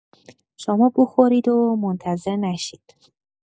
شما بخورید و منتظر نشید.